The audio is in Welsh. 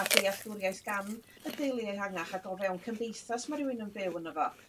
a dealltwriaeth gan y deulu ehangach ag o fewn cymdeithas ma' rywun yn byw yno fo.